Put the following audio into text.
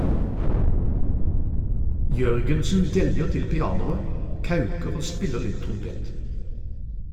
Jørgensen deljer til pianoet, kauker og spiller litt trompet.